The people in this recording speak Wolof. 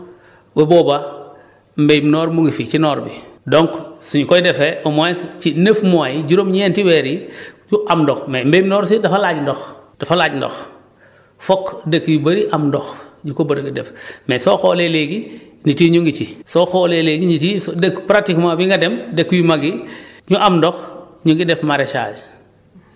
donc bu boobaa mbéyum noor mu ngi fi ci noor bi donc suñ koy defee au moins ci neuf mois yi juróom-ñeenti weer yi ku am ndox mais mbéyum noor si dafa laaj ndox dafa laaj ndox foog dëkk yu bëri am ndox ñi ko bëri di def mais soo xoolee léegi nit yi ñu ngi ci soo xoolee léegi nit yi fa dëkk pratiquement di nga dem dëkk yu mag yi ñu am ndox ñu ngi def maraîchage